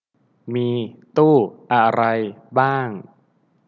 มีตู้อะไรบ้าง